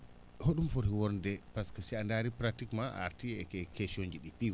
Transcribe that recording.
hoɗum foti wonde par ce que si a ndaari pratiquement a artii e question ji ɗii piiw